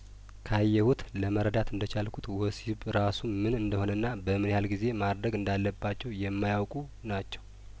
ካየሁት ለመረዳት እንደቻልኩት ወሲብ ራሱምን እንደሆነና በምን ያህል ጊዜ ማድረግ እንዳለባቸው የማያውቁ ናቸው